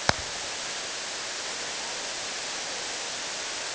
приколы из школы